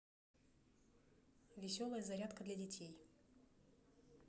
веселая зарядка для детей